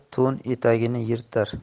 to'n etagini yirtar